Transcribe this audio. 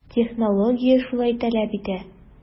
Технология шулай таләп итә.